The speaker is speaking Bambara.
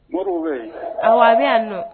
Mori bɛ a wara bɛ nɔ